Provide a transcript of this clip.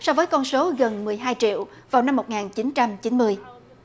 so với con số gần mười hai triệu vào năm một ngàn chín trăm chín mươi